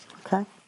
Oce.